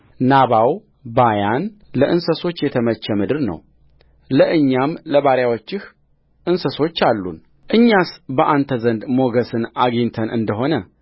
ናባው ባያን ለእንስሶች የተመቸ ምድር ነው ለእኛም ለባሪያዎችህ እንስሶች አሉንእኛስ በአንተ ዘንድ ሞገስን አግኝተን እንደ ሆነ